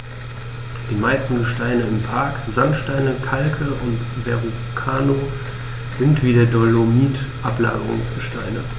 Die meisten Gesteine im Park – Sandsteine, Kalke und Verrucano – sind wie der Dolomit Ablagerungsgesteine.